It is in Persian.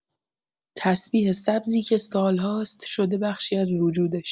تسبیح سبزی که سالهاست شده بخشی از وجودش.